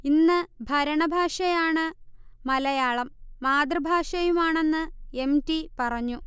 ഇന്ന്ഭരണഭാഷയാണ് മലയാളം, മാതൃഭാഷയുമാണെന്ന് M. T. പറഞ്ഞു